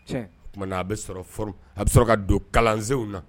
O tumaumana a bɛ sɔrɔ a bɛ sɔrɔ ka don kalansew na